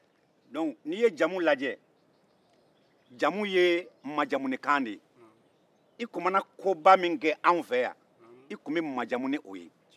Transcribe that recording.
dɔnku n'i ye jamu lajɛ jamu ye majamunikan dɛ ye i tun mana koba min kɛ anw fɛ yan e tun bɛ majamu ni o ye